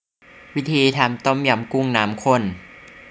วิธีทำต้มยำกุ้งน้ำข้น